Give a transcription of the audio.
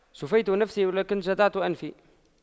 شفيت نفسي ولكن جدعت أنفي